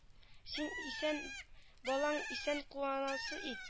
Син исән балаң исән куанасы ит